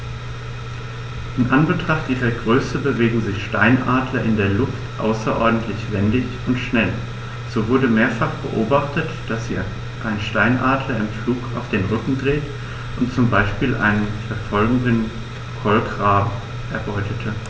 In Anbetracht ihrer Größe bewegen sich Steinadler in der Luft außerordentlich wendig und schnell, so wurde mehrfach beobachtet, wie sich ein Steinadler im Flug auf den Rücken drehte und so zum Beispiel einen verfolgenden Kolkraben erbeutete.